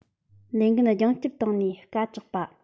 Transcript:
ལས འགན རྒྱང བསྐྱུར བཏང ནས བཀའ བཅག པ